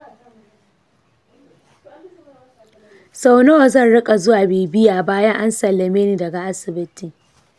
sau nawa zan rika zuwa bibiya bayan an sallame ni daga asibiti?